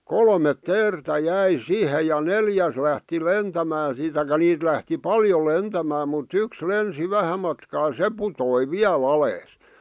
kolme teeriä jäi siihen ja neljäs lähti lentämään siitä tai niitä lähti paljon lentämään mutta yksi lensi vähän matkaa se putosi vielä alas